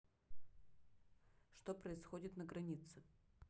что происходит на границе